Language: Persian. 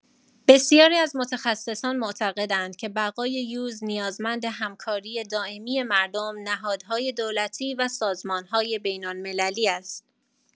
بسیاری از متخصصان معتقدند که بقای یوز نیازمند همکاری دائمی مردم، نهادهای دولتی و سازمان‌های بین‌المللی است.